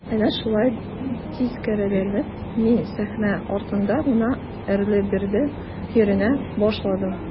Әнә шулай тискәреләнеп мин сәхнә артында гына әрле-бирле йөренә башладым.